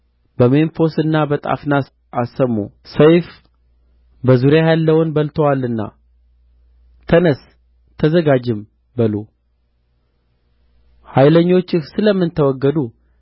በሜምፎስና በጣፍናስ አሰሙ ሰይፍ በዙሪያህ ያለውን በልቶአልና ተነሥ ተዘጋጅም በሉ ኃይለኞችህ ስለ ምን ተወገዱ